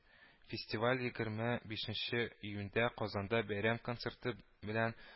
Фестиваль егереме бишенче июньдә Казанда бәйрәм концерты белән